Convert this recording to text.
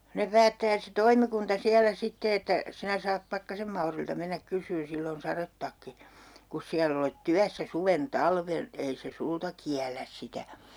ne päättää se toimikunta siellä sitten että sinä saat Pakkasen Maurilta mennä kysymään sillä on sadetakki kun siellä olet työssä suven talven ei se sinulta kiellä sitä